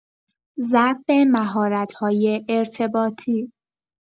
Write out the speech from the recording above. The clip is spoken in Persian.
ضعف مهارت‌های ارتباطی